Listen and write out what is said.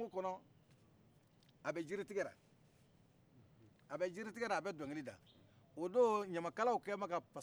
a bɛ jiritigɛ la a bɛ dɔnkili da o don ɲamakalaw kɛlen bɛ pasa da